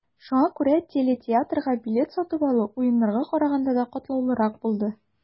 Шуңа күрә телетеатрга билет сатып алу, Уеннарга караганда да катлаулырак булды.